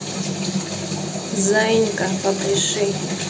заинька попляши